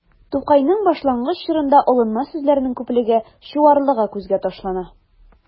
Тукайның башлангыч чорында алынма сүзләрнең күплеге, чуарлыгы күзгә ташлана.